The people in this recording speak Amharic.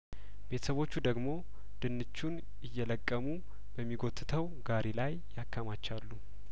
ቤተሰቦቹ ደግሞ ድንቹን እየለቀሙ በሚጐትተው ጋሪ ላይ ያከማቻሉ